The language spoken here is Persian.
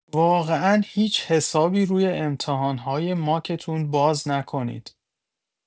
واقعا هیچ حسابی روی امتحان‌های ماکتون باز نکنید